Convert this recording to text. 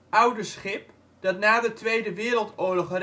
Oudeschip, dat na de Tweede Wereldoorlog